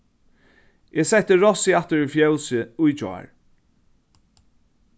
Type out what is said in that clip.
eg setti rossið aftur í fjósið í gjár